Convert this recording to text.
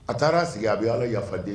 A taara' sigi a bɛ ala yafaden